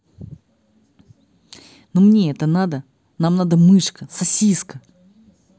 но мне это надо нам надо мышка сосиска